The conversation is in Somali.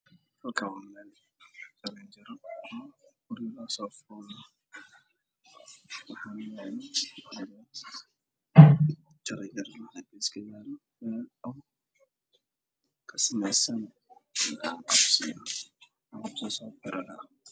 Meshan waxaa ku yaala guri dabaq ah jaran jarada waa madow